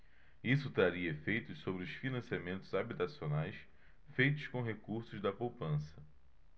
isso traria efeitos sobre os financiamentos habitacionais feitos com recursos da poupança